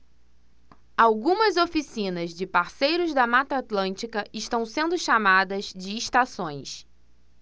algumas oficinas de parceiros da mata atlântica estão sendo chamadas de estações